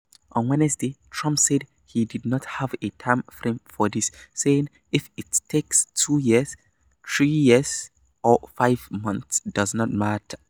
On Wednesday, Trump said he did not have a time frame for this, saying "If it takes two years, three years or five months - doesn't matter."